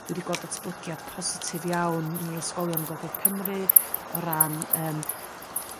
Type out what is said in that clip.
Dwi 'di gweld datblygiad positif iawn yn yr ysgolion yn gogledd Cymru o ran yrm